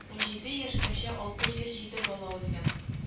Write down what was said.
Унҗиде яшькәчә алты йөз җиде бала үлгән: